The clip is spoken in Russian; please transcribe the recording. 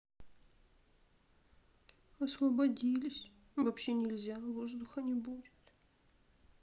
освободились вообще нельзя воздуха не будет